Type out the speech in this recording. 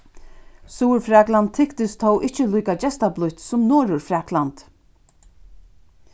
suðurfrakland tyktist tó ikki líka gestablítt sum norðurfrakland